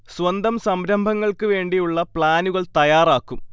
സ്വന്തം സംരംഭങ്ങൾക്ക് വേണ്ടിയുള്ള പ്ലാനുകൾ തയ്യാറാക്കും